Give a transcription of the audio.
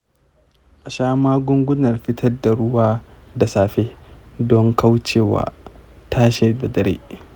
a sha magungunan fitar da ruwa da safe don kauce wa tashi da dare.